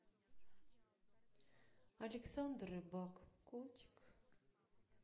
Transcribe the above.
александр рыбак котик